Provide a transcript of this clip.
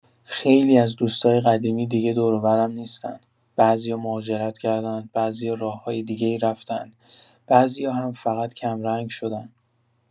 خیلی از دوستای قدیمی دیگه دور و برم نیستن، بعضیا مهاجرت کردن، بعضیا راه‌های دیگه‌ای رفتن، بعضیا هم فقط کم‌رنگ شدن.